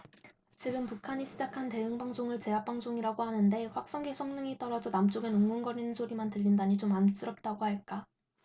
지금 북한이 시작한 대응 방송을 제압방송이라고 하는데 확성기 성능이 떨어져 남쪽엔 웅웅거리는 소리만 들린다니 좀 안쓰럽다고 할까